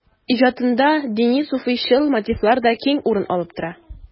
Иҗатында дини-суфыйчыл мотивлар да киң урын алып тора.